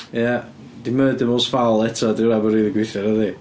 Ia 'di Murder most fowl eto ddim rili'n gweithio, nadi?